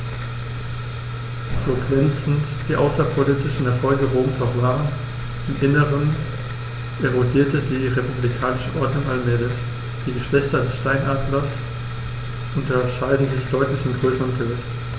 So glänzend die außenpolitischen Erfolge Roms auch waren: Im Inneren erodierte die republikanische Ordnung allmählich. Die Geschlechter des Steinadlers unterscheiden sich deutlich in Größe und Gewicht.